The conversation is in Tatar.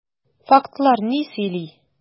Фактлар ни сөйли?